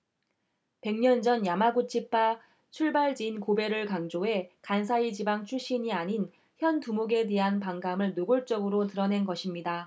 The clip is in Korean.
백 년 전 야마구치파 출발지인 고베를 강조해 간사이 지방 출신이 아닌 현 두목에 대한 반감을 노골적으로 드러낸 것입니다